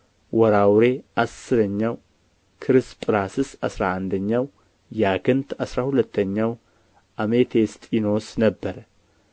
ወራውሬ አሥረኛው ክርስጵራስስ አሥራ አንደኛው ያክንት አሥራ ሁለተኛው አሜቴስጢኖስ ነበረ